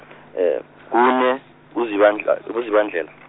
kune uZibandlal- uZibandlela .